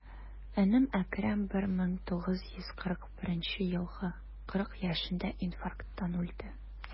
Энем Әкрам, 1941 елгы, 40 яшендә инфаркттан үлде.